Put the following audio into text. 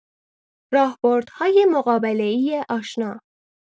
راهبردهای مقابله‌ای آشنا